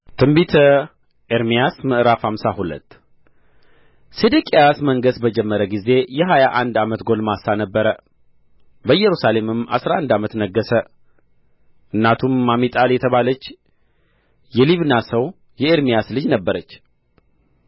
ትንቢተ ኤርምያስ ምዕራፍ ሃምሳ ሁለት ምዕራፍ ሃምሳ ሁለት ሴዴቅያስ መንገሥ በጀመረ ጊዜ የሀያ አንድ ዓመት ጕልማሳ ነበረ በኢየሩሳሌምም አሥራ አንድ ዓመት ነገሠ እናቱም አሚጣል የተባለች የሊብና ሰው የኤርምያስ ልጅ ነበረች